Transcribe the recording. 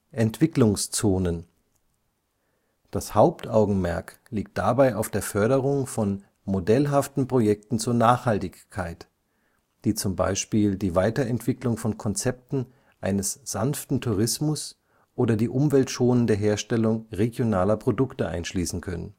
Entwicklungszonen Das Hauptaugenmerk liegt dabei auf der Förderung von „ modellhaften Projekten zur Nachhaltigkeit “, die z. B. die Weiterentwicklung von Konzepten eines sanften Tourismus oder die umweltschonende Herstellung regionaler Produkte einschließen können